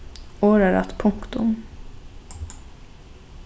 orðarætt punktum